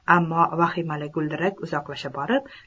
ammo vahimali guldirak uzoqlasha borib